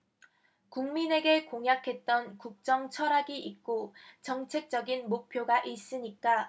국민에게 공약했던 국정 철학이 있고 정책적인 목표가 있으니까